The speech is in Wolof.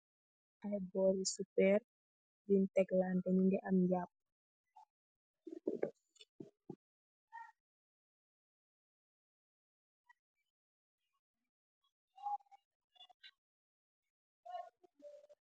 Ayy boli soperr bun teklanteh mogi am jabb.